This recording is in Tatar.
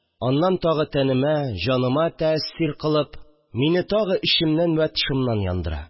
Аннан тагы тәнемә, каныма тәэсир кылып, мине тагы эчемнән вә тышымнан яндыра